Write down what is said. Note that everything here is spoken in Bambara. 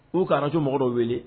U kanasomɔgɔw wele